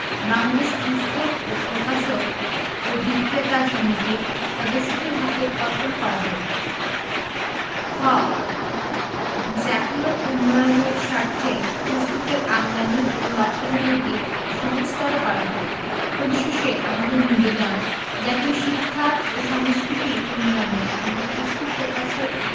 বাংলাদেশ পুস্তক ও প্রকাশক ও বিক্রেতা সমিতির সদস্যদের হাতে অর্পণ করা হোক ঠ জাতীয় উন্নয়নের স্বার্থে পুস্তকের আমদানী ও রপ্তানী নীতি সহজতর করা হোক পরিশেষে আমাদের নিবেদন জাতীয় শিক্ষা ও সংস্কৃতি উন্নয়নে আমরা পুস্তক প্রকাশক